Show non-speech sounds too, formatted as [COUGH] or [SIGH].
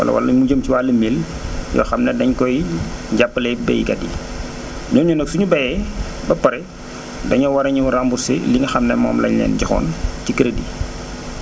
wala lu jëm si wàllu mil [NOISE] yoo xam ne dañ koy [NOISE] jàppalee [NOISE] baykat yi [NOISE] ñooñu nag suñu bayee [NOISE] ba pare [NOISE] dañoo war a [NOISE] ñëw remboursé [NOISE] li nga xam ne moom la ñu leen joxoon [NOISE] ci crédit [NOISE]